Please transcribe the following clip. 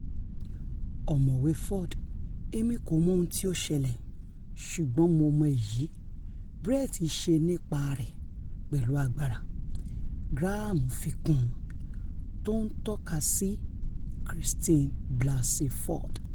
Ọ̀mọwé Ford, Èmi kò mọ ohun tí ó ṣẹlẹ̀, ṣûgbọn Mo mọ èyí: Brett ṣẹ́ nípa rẹ̀ pẹ̀lù agbára,'' Graham fi kún un, tó ńtọ́kasí Chritine Blassey Ford.